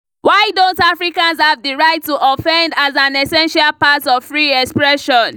Why don't Africans have the right to offend as an essential part of free expression?